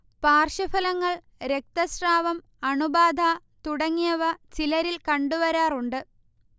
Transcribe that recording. പാർശ്വഫലങ്ങൾ രക്തസ്രാവം, അണുബാധ തുടങ്ങിയവ ചിലരിൽ കണ്ടുവരാറുണ്ട്